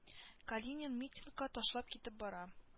Калинин митингны ташлап китеп бара